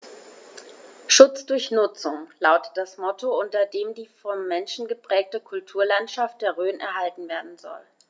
„Schutz durch Nutzung“ lautet das Motto, unter dem die vom Menschen geprägte Kulturlandschaft der Rhön erhalten werden soll.